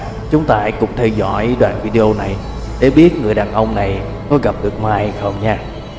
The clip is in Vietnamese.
theo dõi đoạn video này để biết người đàn ông này có gặp được ma không nha